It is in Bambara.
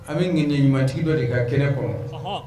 An bɛ ŋ ɲumantigi dɔ de ka kɛ kɔrɔ